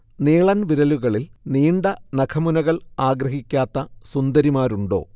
നീളൻ വിരലുകളിൽ നീണ്ട നഖമുനകൾ ആഗ്രഹിക്കാത്ത സുന്ദരിമാരുണ്ടോ